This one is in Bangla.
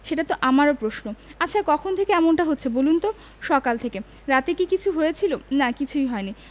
সেটা তো আমারও প্রশ্ন আচ্ছা কখন থেকে এমনটা হচ্ছে বলুন তো সকাল থেকে রাতে কি কিছু হয়েছিল না কিছুই হয়নি